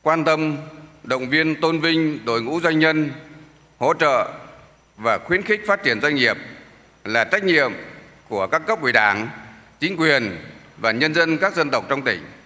quan tâm động viên tôn vinh đội ngũ doanh nhân hỗ trợ và khuyến khích phát triển doanh nghiệp là trách nhiệm của các cấp ủy đảng chính quyền và nhân dân các dân tộc trong tỉnh